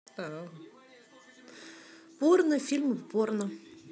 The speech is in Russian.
порно фильмы порно